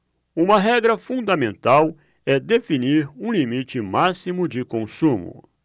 uma regra fundamental é definir um limite máximo de consumo